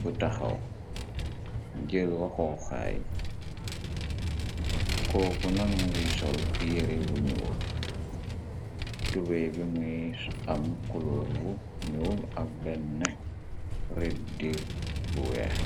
bu taxaw bi jër waxooxaay koo ku na ngiy sol yeri wu ñool tubey bimuy am kulóor wu ñool ak benn rëd di bu weex.